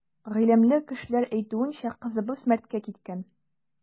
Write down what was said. Гыйлемле кешеләр әйтүенчә, кызыбыз мәрткә киткән.